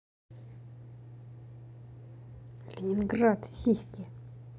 ленинград сиськи